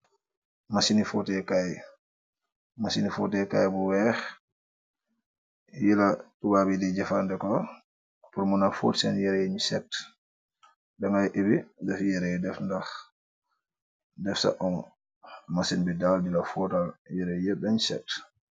masini fotekaay bu weex yila tuwaabi di jëfanteko pormu na foot seen yareeñ sekt dangay ibbi def yere def sa an masin bi daal dila footal yere yep dañ sekt